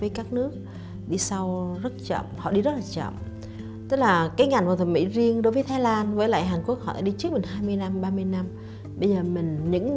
với các nước đi sau rất chậm họ đi rất là chậm tức là cái ngành phẫu thuật thẩm mĩ riêng đối với thái lan với lại hàn quốc họ đi trước mình hai mươi năm ba mươi năm bây giờ mình những năm